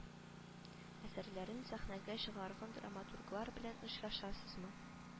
Әсәрләрен сәхнәгә чыгарган драматурглар белән очрашасызмы